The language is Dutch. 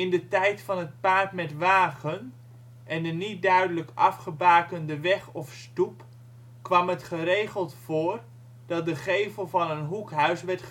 de tijd van het paard met wagen en de niet duidelijk afgebakende weg of stoep kwam het geregeld voor dat de gevel van een hoekhuis werd